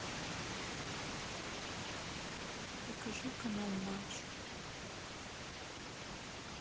покажи канал матч